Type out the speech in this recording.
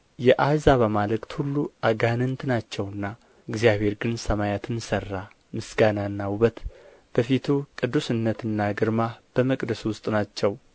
የአሕዛብ አማልክት ሁሉ አጋንንት ናቸውና እግዚአብሔር ግን ሰማያትን ሠራ ምስጋናና ውበት በፊቱ ቅዱስነትና ግርማ በመቅደሱ ውስጥ ናቸው